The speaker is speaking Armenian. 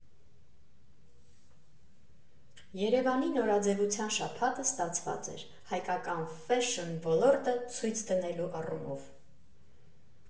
Երևանի նորաձևության շաբաթը ստացված էր՝ հայկական ֆեշըն ոլորտը ցույց դնելու առումով։